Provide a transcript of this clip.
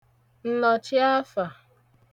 ǹnọ̀chiafà